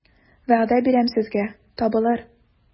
Вәгъдә бирәм сезгә, табылыр...